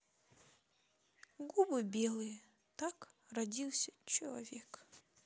губы белые так родился человек